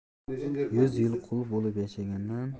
yuz yil qul bo'lib yashagandan